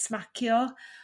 smacio